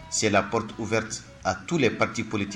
Se pɛ a tu la patiolitigi